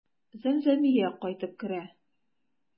Зәмзәмия кайтып керә.